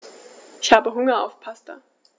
Ich habe Hunger auf Pasta.